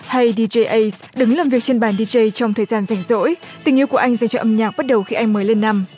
hay đi dây ây đứng làm việc trên bàn đi dây trong thời gian rảnh rỗi tình yêu của anh dành cho âm nhạc bắt đầu khi anh mới lên năm